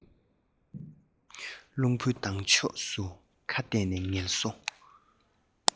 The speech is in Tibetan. རླུང བུའི ལྡང ཕྱོགས སུ ཁ གཏད ནས ངལ གསོ